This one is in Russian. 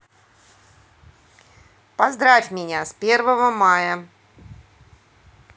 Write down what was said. поздравь меня с первого мая